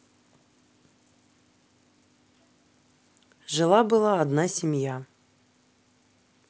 жила была одна семья